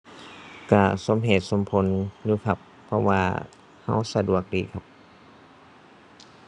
ก็สมเหตุสมผลอยู่ครับ เพราะว่าก็สะดวกดีครับ